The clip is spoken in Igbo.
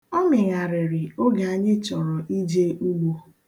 Ọ mịgharịrị oge anyị chọrọ ije ugbo.